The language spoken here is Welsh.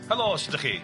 Helo su' dach chi?